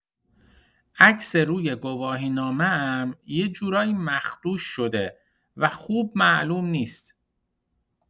عکس روی گواهینامه‌ام یه جورایی مخدوش شده و خوب معلوم نیست.